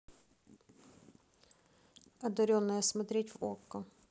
одаренная смотреть в окко